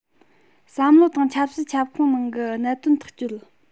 བསམ བློ དང ཆབ སྲིད ཁྱབ ཁོངས ནང གི གནད དོན ཐག གཅོད